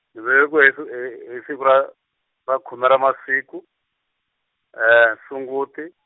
ni velekiwe hi si- hi siku ra, ra khume ra masiku, Sunguti.